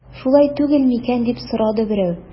Шулай түгел микән дип сорады берәү.